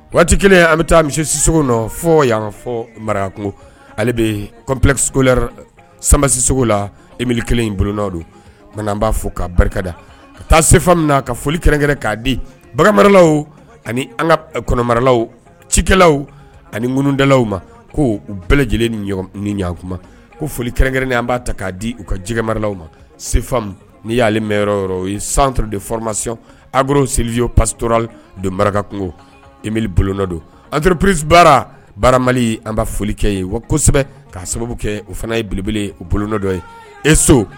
Waati kelen an bɛ taa misisiso nɔ fɔ yan fɔ mara ale bɛ kɔnplɛsi sanbasiso la ee kelen in bolona don nkaan b'a fɔ ka barikada a taa sefa min na ka foli kɛrɛnkɛ k'a di baganmalaw ani an ka kɔnɔmalaw cikɛlawlaw ani ŋundalaw ma ko u bɛɛ lajɛlen ni ni ɲkuma ko foli kɛrɛnkɛrɛnnen an b'a ta k'a di u ka jɛgɛkɛmalaw ma sefa ni y'ale mɛnyɔrɔ yɔrɔ ye san de fɔlɔmasi ar seliyeo pasiturali don barika kun e bona don anurpresi baara barama an bɛ folikɛ ye wa kosɛbɛ kaa sababu kɛ u fana yeb u bolonadɔ ye e so